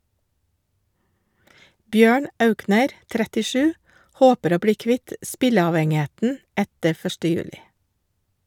Bjørn Aukner (37) håper å bli kvitt spilleavhengigheten etter 1. juli.